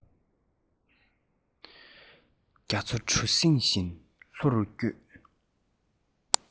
འཆར ཡན ཀླད པའི ངོས ནས འདས སོང